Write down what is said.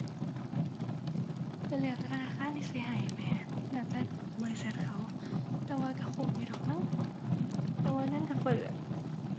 ก็แล้วแต่ธนาคารที่สิให้แหม แล้วแต่บริษัทเขา แต่ว่าก็คุ้มอยู่ดอกมั้ง แต่ว่าเงินก็เฟ้ออะ